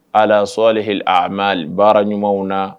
baara ɲumanw na